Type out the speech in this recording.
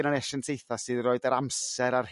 gennon asiantaetha' sydd y' roid yr amser ar